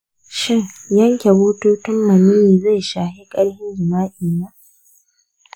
shin yanke bututun maniyyi zai shafi ƙarfin jima’i na?